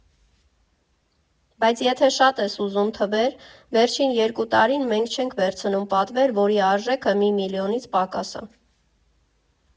Բայց եթե շատ ես ուզում թվեր, վերջին երկու տարին մենք չենք վերցնում պատվեր, որի արժեքը մի միլիոնից պակաս ա։